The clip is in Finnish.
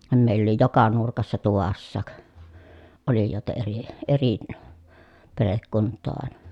meillä oli joka nurkassa tuvassakin olijoita eri eri perhekuntaa aina